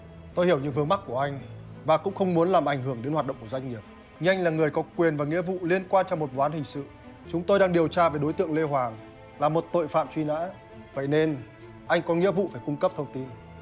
tôi hiểu những vướng mắc của anh và cũng không muốn làm ảnh hưởng đến hoạt động của doanh nghiệp nhưng anh là người có quyền và nghĩa vụ liên quan trong một vụ án hình sự chúng tôi đang điều tra về đối tượng lê hoàng là một tội phạm truy nã vậy nên anh có nghĩa vụ phải cung cấp thông tin